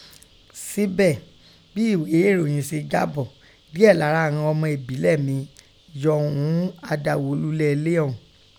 Síbẹ̀, bí ìghé eròyìn se jábọ̀, díẹ̀ lára ighọn ọmọ èbílẹ̀ mí yọ̀ ún àdàghólulẹ̀ ilé ọ̀ún.